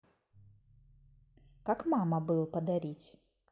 как мама был подарить